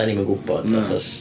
Dan ni'm yn gwbod... Na. ...Achos...